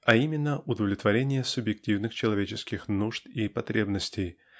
-- а именно удовлетворение субъективных человеческих нужд и потребностей